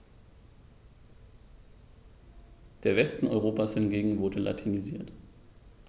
Der Westen Europas hingegen wurde latinisiert.